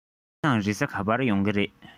སྐལ བཟང རེས གཟའ ག པར ཡོང གི རེད